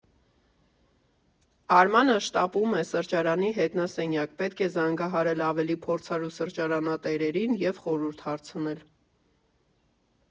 Արմանը շտապում է սրճարանի հետնասենյակ՝ պետք է զանգահարել ավելի փորձառու սրճարանատերերին և խորհուրդ հարցնել։